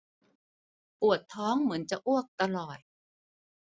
ปวดท้องเหมือนจะอ้วกตลอด